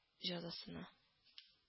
Җәзасына